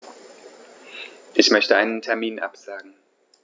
Ich möchte einen Termin absagen.